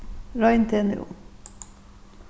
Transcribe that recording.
royn teg nú